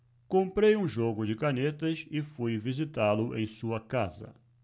comprei um jogo de canetas e fui visitá-lo em sua casa